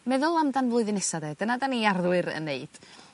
Meddwl amdan flwyddyn nesa 'de dyna 'dan ni arddwyr yn neud.